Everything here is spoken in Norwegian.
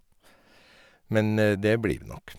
Men det blir det nok.